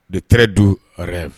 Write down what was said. De teri don